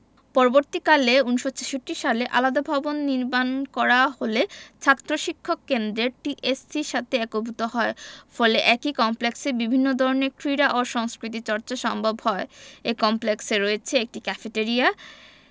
পরবর্তীকালে ১৯৬৬ সালে আলাদা ভবন নির্মাণ করা হলে ছাত্র শিক্ষক কেন্দ্রের টিএসসি সাথে একভূত হয় ফলে একই কমপ্লেক্সে বিভিন্ন ধরনের ক্রীড়া ও সংস্কৃতি চর্চা সম্ভব হয় এ কমপ্লেক্সে রয়েছে একটি ক্যাফেটেরিয়া